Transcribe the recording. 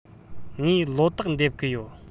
ངས ལོ ཏོག འདེབས གི ཡོད